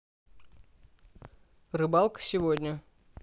рыбалка сегодня